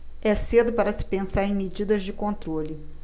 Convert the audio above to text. é cedo para se pensar em medidas de controle